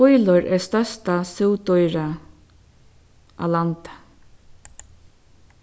fílur er størsta súgdýrið á landi